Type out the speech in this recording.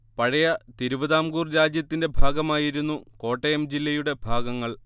പഴയ തിരുവിതാംകൂർ രാജ്യത്തിന്റെ ഭാഗമായിരുന്നു കോട്ടയം ജില്ലയുടെ ഭാഗങ്ങൾ